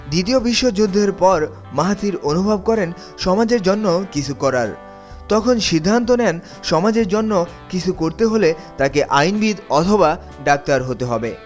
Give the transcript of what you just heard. দ্বিতীয় বিশ্বযুদ্ধের পর মাহাথির অনুভব করেন সমাজের জন্য কিছু করার তখন সিদ্ধান্ত নেন সমাজের জন্য কিছু করতে হলে তাকে আইনবিদ অথবা ডাক্তার হতে হবে